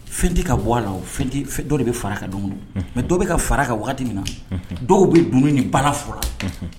Fɛn tɛ ka bɔ a la dɔw de bɛ fara ka don don mɛ dɔw bɛ ka fara ka waati min na dɔw bɛ dunun ni bala fɔlɔ